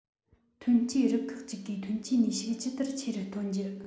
ཐོན སྐྱེད རུ ཁག ཅིག གིས ཐོན སྐྱེད ནུས ཤུགས ཇི ལྟར ཆེ རུ གཏོང རྒྱུ